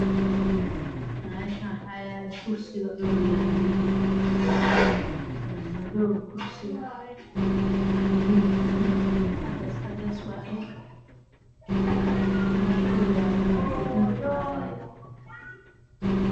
Waa gaari dad curyaanka fuulaan midabkiis yahay madow